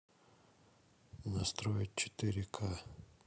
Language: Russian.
настроить четыре к